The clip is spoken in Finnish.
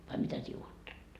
vai mitä sinä ajattelet